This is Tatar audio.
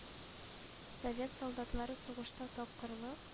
Совет солдатлары сугышта тапкырлык,